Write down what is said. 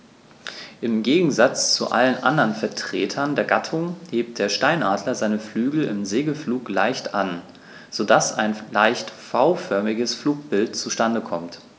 Im Gegensatz zu allen anderen Vertretern der Gattung hebt der Steinadler seine Flügel im Segelflug leicht an, so dass ein leicht V-förmiges Flugbild zustande kommt.